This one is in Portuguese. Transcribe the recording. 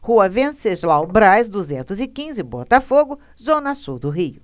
rua venceslau braz duzentos e quinze botafogo zona sul do rio